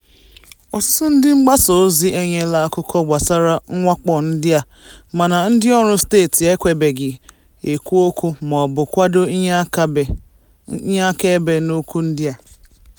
Ọtụtụ ndị mgbasaozi enyela akụkọ gbasara mwakpo ndị a, mana ndịọrụ steeti ekwebeghị ekwu okwu mọọbụ kwado ihe akaebe n'okwu ndị a.